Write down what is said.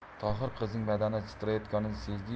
tohir qizning badani titrayotganini sezdi